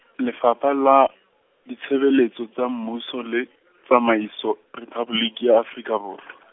Lefapha la Ditshebeletso tsa Mmuso le , Tsamaiso Rephaboliki ya Afrika Borwa.